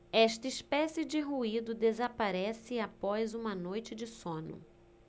esta espécie de ruído desaparece após uma noite de sono